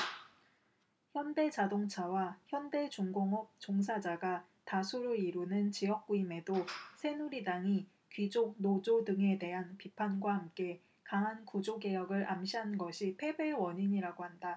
현대자동차와 현대중공업 종사자가 다수를 이루는 지역구임에도 새누리당이 귀족노조 등에 대한 비판과 함께 강한 구조개혁을 암시한 것이 패배의 원인이라고 한다